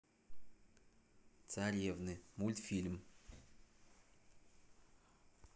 царевны мультфильм